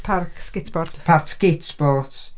Parc skateboard... parc skateboard.